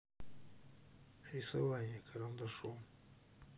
рисование карандашом